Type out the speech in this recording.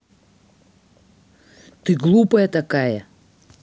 ты глупая такая